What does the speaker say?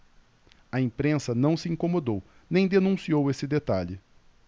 a imprensa não se incomodou nem denunciou esse detalhe